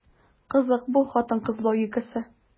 Кызык бу хатын-кыз логикасы.